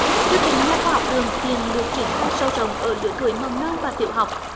chương trình nha khoa học đường hiện được triển khai sâu rộng ở lứa tuổi mầm non và tiểu học